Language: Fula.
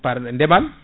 par ndeemam